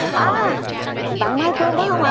a bạn mai phương phải không